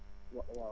wa waaw